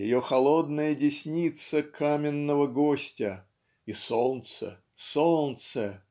ее холодная десница Каменного Гостя и солнце солнце